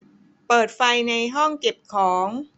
เปิดไฟในห้องเก็บของ